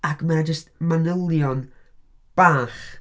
Ac mae o jyst manylion bach...